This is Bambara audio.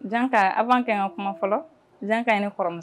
Jan ka aw b'an kɛ ka kuma fɔlɔ jan ka ne kɔrɔ